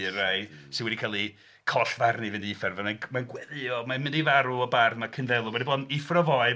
I'r rai sydd wedi cael eu collfarnu i fynd i'r uffern, mae'n gweddïo mae'n mynd i farw y barn 'ma Cynddelw, mae o 'di bod yn uffar' o foi...